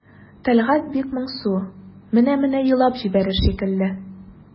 Тәлгать бик моңсу, менә-менә елап җибәрер шикелле.